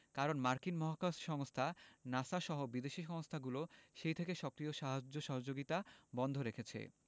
কারণ মার্কিন মহাকাশ সংস্থা নাসা সহ বিদেশি সংস্থাগুলো সেই থেকে সক্রিয় সাহায্য সহযোগিতা বন্ধ রেখেছে